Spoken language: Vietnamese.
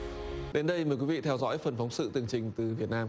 đến đây mời quý vị theo dõi phóng sự tường trình từ việt nam